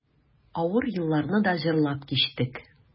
Авыр елларны да җырлап кичтек.